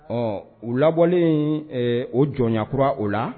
Ɔ u labɔlen o jɔnya kurakura o la